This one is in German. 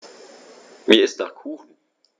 Mir ist nach Kuchen.